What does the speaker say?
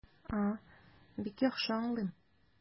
А, бик яхшы аңлыйм.